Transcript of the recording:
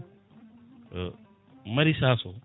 maraichage o